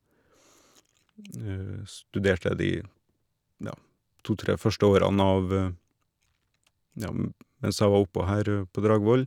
Studert det de, ja, to tre første årene av ja mb mens jeg var oppå her, på Dragvoll.